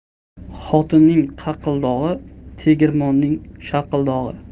xotinning qaqildog'i tegirmonning shaqildog'i